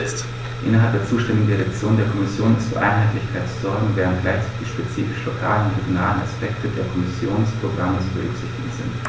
Innerhalb der zuständigen Direktion der Kommission ist für Einheitlichkeit zu sorgen, während gleichzeitig die spezifischen lokalen und regionalen Aspekte der Kommissionsprogramme zu berücksichtigen sind.